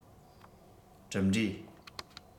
གྲུབ འབྲས